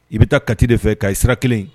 I be taa kati de fɛ kayi sira kelen in.